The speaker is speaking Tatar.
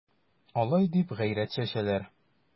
Алай дип гайрәт чәчәләр...